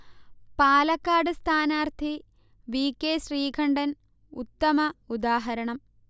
പാലക്കാട് സ്ഥാനാർത്ഥി V. K. Sreekandan ഉത്തമ ഉദാഹരണം